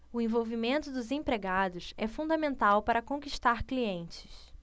o envolvimento dos empregados é fundamental para conquistar clientes